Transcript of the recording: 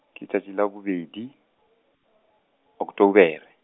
ke tšatši la bobedi , Oktobore.